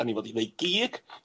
'Dan ni fod i ddweud gig?